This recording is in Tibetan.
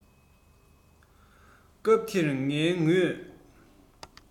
སྐབས དེར ངའི ངོས